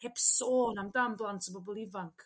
heb sôn am dan blant a bobol ifanc.